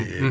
eyyi eyyi